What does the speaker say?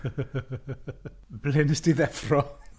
, ble wnest ti ddeffro?